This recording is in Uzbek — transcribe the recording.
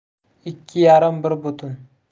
ikki yarim bir butun